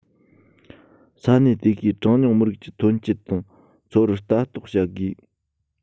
ས གནས དེ གའི གྲངས ཉུང མི རིགས ཀྱི ཐོན སྐྱེད དང འཚོ བར ལྟ རྟོག བྱ དགོས